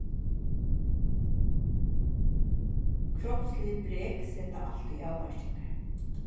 kropslig brek seta altíð avmarkingar